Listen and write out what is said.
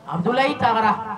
A donna i taara